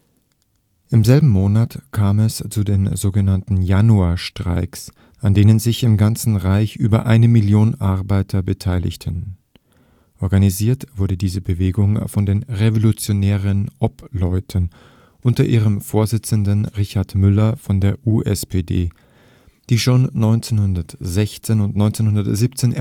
Im selben Monat kam es zu den so genannten Januarstreiks, an denen sich im ganzen Reich über eine Million Arbeiter beteiligten. Organisiert wurde diese Bewegung von den Revolutionären Obleuten unter ihrem Vorsitzenden Richard Müller von der USPD, die schon 1916 und 1917